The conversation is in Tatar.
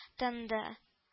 Тынды